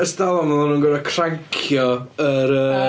Ers talwm oedden nhw'n gorfod crancio yr yy...